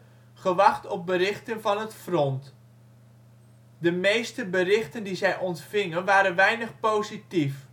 gewacht op berichten van het front. De meeste berichten die zij ontvingen waren weinig positief